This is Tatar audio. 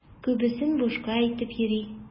Күбесен бушка әйтеп йөри.